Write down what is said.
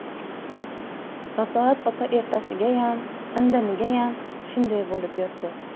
risolat opa ertasigayam indinigayam shunday bo'lib yurdi